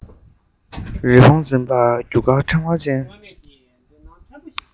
རི བོང འཛིན པ རྒྱུ སྐར ཕྲེང བ ཅན